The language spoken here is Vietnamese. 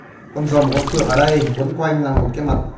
con rồng con phượng ở đây quấn quanh một cái mặt